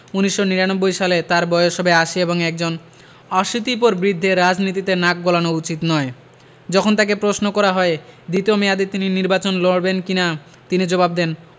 ১৯৯৯ সালে তাঁর বয়স হবে আশি এবং একজন অশীতিপর বৃদ্ধের রাজনীতিতে নাক গলানো উচিত নয় যখন তাঁকে প্রশ্ন করা হয় দ্বিতীয় মেয়াদে তিনি নির্বাচন লড়বেন কি না তিনি জবাব দেন